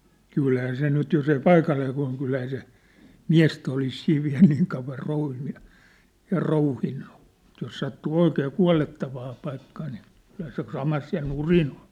kyllähän se nyt jos ei paikalleen kuole kyllähän se miestä olisi siinä vielä niin kauan rouhinut ja ja rouhinut mutta jos sattuu oikein kuolettavaan paikkaan niin kyllähän se samassa ja nurin on